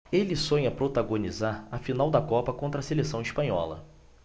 ele sonha protagonizar a final da copa contra a seleção espanhola